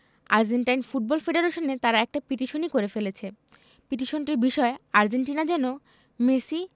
Argentine football ফেডারেশনে তারা একটা পিটিশনই করে ফেলেছে পিটিশনটির বিষয় আর্জেন্টিনা যেন মেসি